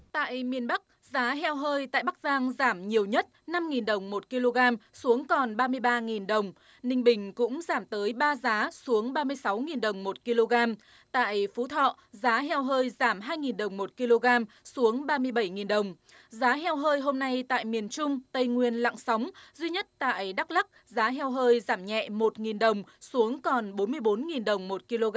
tại miền bắc giá heo hơi tại bắc giang giảm nhiều nhất năm nghìn đồng một ki lô gam xuống còn ba mươi ba nghìn đồng ninh bình cũng giảm tới ba giá xuống ba mươi sáu nghìn đồng một ki lô gam tại phú thọ giá heo hơi giảm hai nghìn đồng một ki lô gam xuống ba mươi bảy nghìn đồng giá heo hơi hôm nay tại miền trung tây nguyên lặng sóng duy nhất tại đắc lắc giá heo hơi giảm nhẹ một nghìn đồng xuống còn bốn mươi bốn nghìn đồng một ki lô